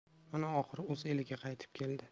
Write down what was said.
mana oxiri o'z eliga qaytib keldi